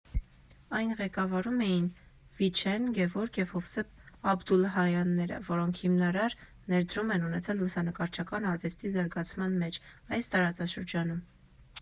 Այն ղեկավարում էին Վիչեն, Գևորգ և Հովսեփ Աբդուլլահյանները որոնք հիմնարար ներդրում են ունեցել լուսանկարչական արվեստի զարգացման մեջ այս տարածաշրջանում։